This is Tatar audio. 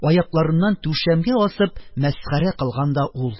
Аякларыннан түшәмгә асып, мәсхәрә кылган да ул.